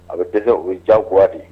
A bɛ kɛ o ye jakura di